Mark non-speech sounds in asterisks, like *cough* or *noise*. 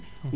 *hesitation*